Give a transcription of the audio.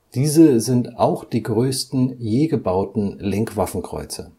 Diese sind auch die größten je gebauten Lenkwaffenkreuzer